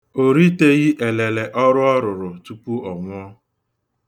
Ọ riteghi ele ọrụ ọ rụụrụ tupu ọ nwụọ.